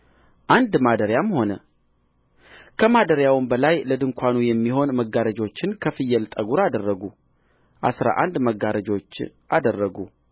አንድ ማደሪያም ሆነ ከማደሪያውም በላይ ለድንኳን የሚሆኑ መጋረጆችን ከፍየል ጠጕር አደረጉ አሥራ አንድ መጋረጆች አደረጉ